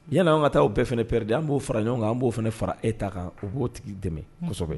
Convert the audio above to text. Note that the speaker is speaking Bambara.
Yanana'an ka taa bɛɛ f perere de an b'o fara ɲɔgɔn kan an b'o fana fara e ta kan u b'o tigi dɛmɛ